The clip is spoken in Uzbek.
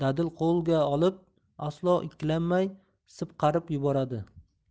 dadil qo'lga olib aslo ikkilanmay sipqarib yuboradi